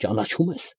Ճանաչո՞ւմ ես։